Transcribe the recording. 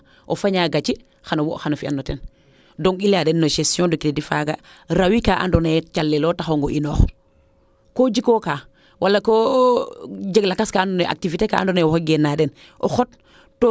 o fañaa gaci xano fiyan no ten donc i leya den no gestion de credit faaga rawi kaa ando naye calel o taxong o inoox ko jikooka wala koo jeg lakas ka ando naye activité kaa ando naye waxey geen na den o xot